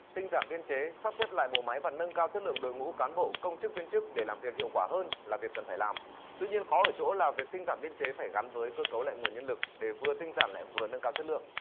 tinh giản biên chế sắp xếp lại bộ máy và nâng cao chất lượng đội ngũ cán bộ công chức viên chức để làm việc hiệu quả hơn là việc cần phải làm tuy nhiên khó ở chỗ là việc tinh giản biên chế phải gắn với cơ cấu lại nguồn nhân lực để vừa tinh giản lại vừa nâng cao chất lượng